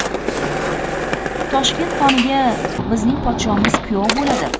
toshkent xoniga bizning podshomiz kuyov bo'ladir